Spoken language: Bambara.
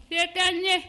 Se tɛ n ye